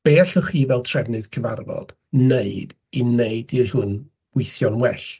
Be allwch chi fel trefnydd cyfarfod wneud, i wneud i hwn weithio'n well?